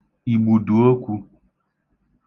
ìgbùdùokwū